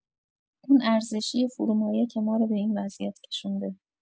اون ارزشی فرومایه که مارو به این وضعیت کشونده